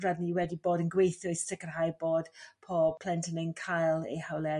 rydyn ni wedi bod yn gweithio i sicrhau bod pob plentyn yn cael eu hawliau